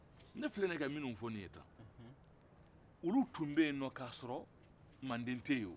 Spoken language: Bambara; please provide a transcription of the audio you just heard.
ne filɛ ni ye ka ni minnu fɔ ni ye tan olu tun bɛ yen nɔn k'a sɔrɔ mande tɛ yen